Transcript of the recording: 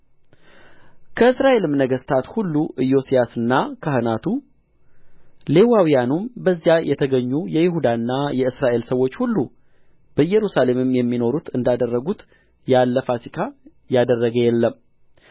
ከእስራኤልም ነገሥታት ሁሉ ኢዮስያስና ካህናቱ ሌዋውያኑም በዚያም የተገኙ የይሁዳና የእስራኤል ሰዎች ሁሉ በኢየሩሳሌምም የሚኖሩት እንዳደረጉት ያለ ፋሲካ ያደረገ የለም